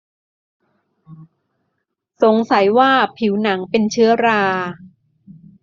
สงสัยว่าผิวหนังเป็นเชื้อรา